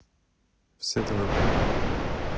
все тв программы